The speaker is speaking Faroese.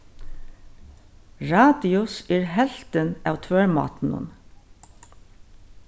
radius er helvtin av tvørmátinum